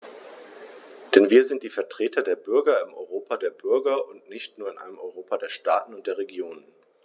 Denn wir sind die Vertreter der Bürger im Europa der Bürger und nicht nur in einem Europa der Staaten und der Regionen.